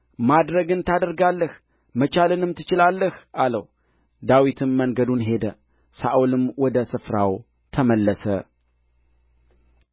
ማድረግን ታደርጋለህ መቻልንም ትችላለህ አለው ዳዊትም መንገዱን ሄደ ሳኦልም ወደ ስፍራው ተመለሰ